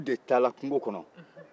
olu de taara kungo kɔnɔ